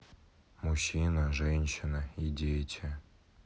мужчина женщина и дети